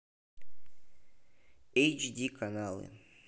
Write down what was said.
эйч ди каналы